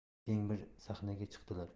keng bir sahnga chiqdilar